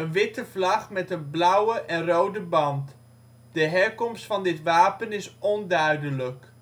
witte vlag met een blauwe en rode band. De herkomst van dit wapen is onduidelijk